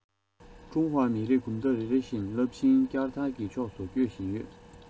ཀྲུང ཧྭ མི རིགས གོམ སྟབས རེ རེ བཞིན རླབས ཆེན བསྐྱར དར གྱི ཕྱོགས སུ སྐྱོད བཞིན ཡོད